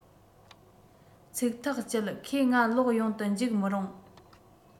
ཚིག ཐག བཅད ཁོས ང ལོག ཡོང དུ འཇུག མི རུང